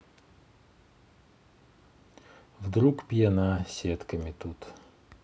вдруг пьяна сетками тут